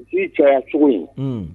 Ji caya cogo in